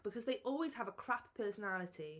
because they always have a crap personality.